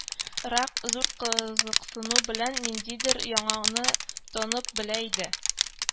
Рак, зур кызыксыну белән, ниндидер яңаны танып белә иде